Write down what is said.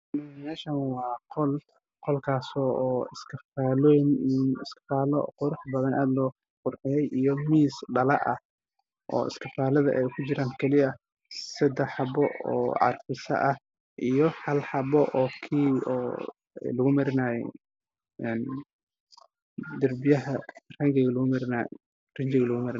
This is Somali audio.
Meeshaan waa qol iskafaalooyin aad loo qurixyay sedex xabo carfiso ah